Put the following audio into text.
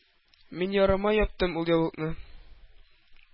Мин ярама яптым ул яулыкны